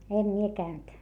en minä käynyt